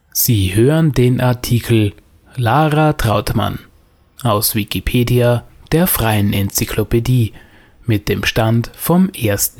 Sie hören den Artikel Lara Trautmann, aus Wikipedia, der freien Enzyklopädie. Mit dem Stand vom Der